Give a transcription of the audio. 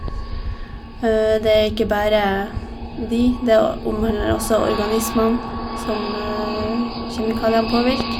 Det er ikke bare de, det å omhandler også organismene som kjemikaliene påvirker.